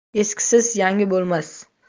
eskisiz yangi bo'lmas